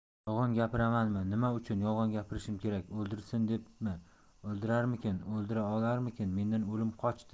yolg'on gapiramanmi nima uchun yolg'on gapirishim kerak o'ldirsin debmi o'ldirarmikin o'ldira olarmikin mendan o'lim qochdi